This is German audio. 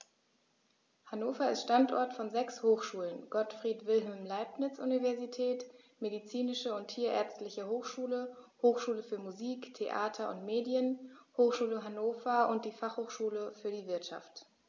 Hannover ist Standort von sechs Hochschulen: Gottfried Wilhelm Leibniz Universität, Medizinische und Tierärztliche Hochschule, Hochschule für Musik, Theater und Medien, Hochschule Hannover und die Fachhochschule für die Wirtschaft.